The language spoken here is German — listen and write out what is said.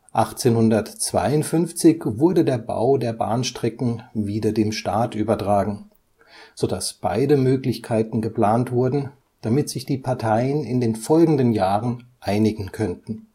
1852 wurde der Bau der Bahnstrecken wieder dem Staat übertragen, sodass beide Möglichkeiten geplant wurden, damit sich die Parteien in den folgenden Jahren einigen könnten